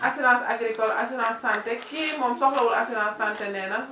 assurance agricole assurance santé kii moom soxlawul assurance santé nee na